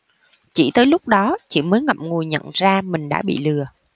chỉ tới lúc đó chị mới ngậm ngùi nhận ra mình đã bị lừa